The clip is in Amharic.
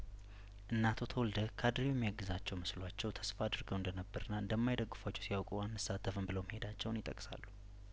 እነ አቶ ተወልደ ካድሬው የሚያግዛቸው መስሏቸው ተስፋ አድርገው እንደነበርና እንደማይደግፏቸው ሲያውቁ አንሳተፍም ብለው መሄዳቸውን ይጠቅሳሉ